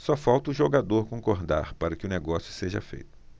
só falta o jogador concordar para que o negócio seja feito